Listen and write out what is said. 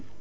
mais